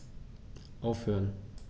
Aufhören.